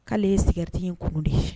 K'ale ye cigarette in kunun de.